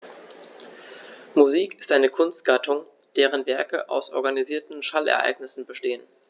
Musik ist eine Kunstgattung, deren Werke aus organisierten Schallereignissen bestehen.